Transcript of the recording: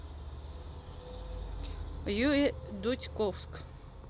юрий дудь ковск